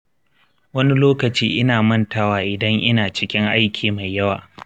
wani lokaci ina mantawa idan ina cikin aiki mai yawa.